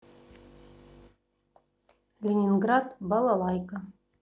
ленинград балалайка